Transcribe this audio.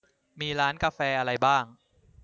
มีร้านกาแฟอะไรบ้าง